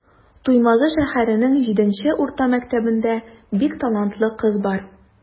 Туймазы шәһәренең 7 нче урта мәктәбендә бик талантлы кыз бар.